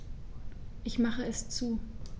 Ich mache es zu.